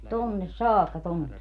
tuonne saakka tuonne